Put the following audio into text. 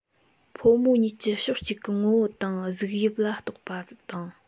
ཕོ མོ གཉིས ཀྱི ཕྱོགས གཅིག གི ངོ བོ དང གཟུགས དབྱིབས ལ གཏོགས པ དང